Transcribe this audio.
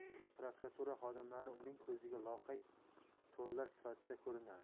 prokuratura xodimlari uning ko'ziga loqayd to'ralar sifatida ko'rinardi